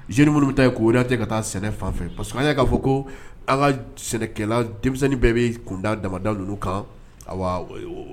Zi minnu bɛ ta yen ko tɛ ka taa sɛnɛ fanfɛ parce y'a'a fɔ ko an ka sɛnɛkɛla denmisɛnnin bɛɛ bɛ kunda dada ninnu kan